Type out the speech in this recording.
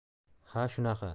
ha shunaqa